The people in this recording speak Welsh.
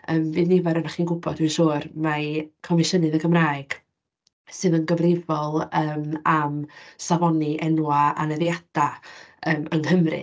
Yym, fydd nifer ohonoch chi'n gwybod, dwi'n siŵr, mai Comisiynydd y Gymraeg sydd yn gyfrifol yym am safoni enwau anheddiadau hanesyddol yng Nghymru.